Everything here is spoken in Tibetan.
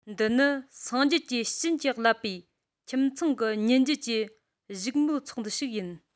འདི ནི སངས རྒྱས ཀྱི བྱིན གྱིས བརླབས པའི ཁྱིམ ཚང གི ཉིན རྒྱུན གྱི བཞུགས མོལ ཚོགས འདུ ཞིག ཡིན